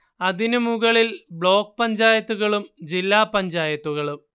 അതിനു മുകളിൽ ബ്ലോക്ക് പഞ്ചായത്തുകളും ജില്ലാപഞ്ചായത്തുകളും